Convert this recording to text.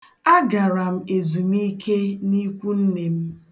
Agara m ezumiike n'ikwunne m.